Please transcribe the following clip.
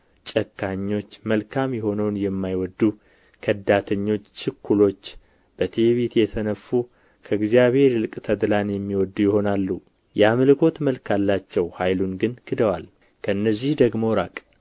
ጨካኞች መልካም የሆነውን የማይወዱ ከዳተኞች ችኩሎች በትዕቢት የተነፉ ከእግዚአብሔር ይልቅ ተድላን የሚወዱ ይሆናሉ የአምልኮት መልክ አላቸው ኃይሉን ግን ክደዋል ከእነዚህ ደግሞ ራቅ